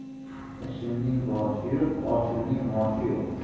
ishimning boshi yo'q oshimning moshi yo'q